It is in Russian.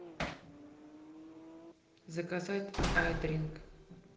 заказать айдринк